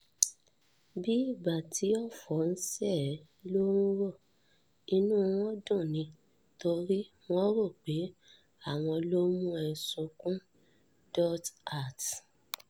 Bí ìgbà tí òfò ń ṣe ẹ ló ń rò. Inú wọn ń dùn ni torí wọ́n rò pé àwọn ló ń mú ẹ sọkún.@